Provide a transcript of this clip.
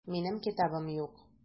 Минем китабым юк.